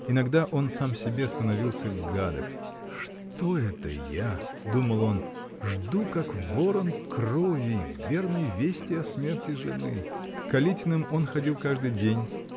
Иногда он сам себе становился гадок: "Что это я, -- думал он, -- жду, как ворон крови, верной вести о смерти жены!" К Калитиным он ходил каждый день